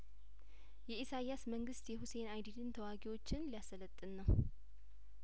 የኢሳያስ መንግስት የሁሴን አይዲድን ተዋጊዎችን ሊያሰለጥን ነው